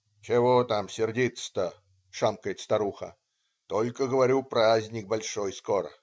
"Чего там сердиться-то,- шамкает старуха,- только, говорю, праздник большой скоро.